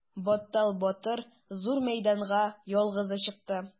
Баттал батыр зур мәйданга ялгызы чыкты.